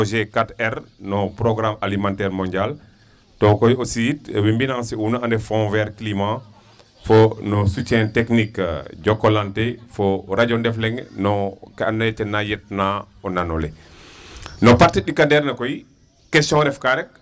Projet 4R no programme alimentaire mondiale to koy aussi we mbinase'una a ref Fonf Vert Climat fo no soutient technique Jokalante fo radio Ndefleng no ke andoona yee ten yetna o nan ole .No partie ɗikandeer le koy question refkaa rek.